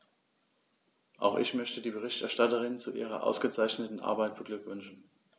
Auch ich möchte die Berichterstatterin zu ihrer ausgezeichneten Arbeit beglückwünschen.